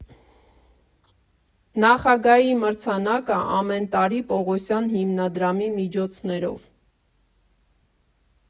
Նախագահի մրցանակը՝ ամեն տարի՝ Պողոսյան հիմնադրամի միջոցներով։